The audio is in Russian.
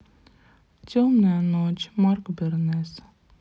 темная ночь марк бернес